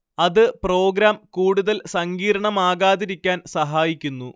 അത് പ്രോഗ്രാം കൂടുതൽ സങ്കീർണ്ണമാകാതിരിക്കാൻ സഹായിക്കുന്നു